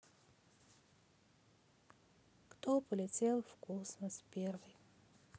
кто полетел в космос первый